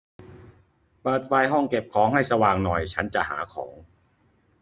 เปิดไฟห้องเก็บของให้สว่างหน่อยฉันจะหาของ